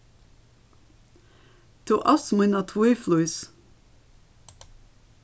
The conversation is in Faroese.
tú átst mína tvíflís